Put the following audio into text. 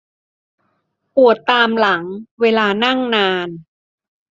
ปวดตามหลังเวลานั่งนาน